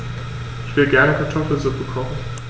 Ich will gerne Kartoffelsuppe kochen.